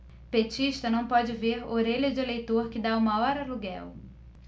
petista não pode ver orelha de eleitor que tá o maior aluguel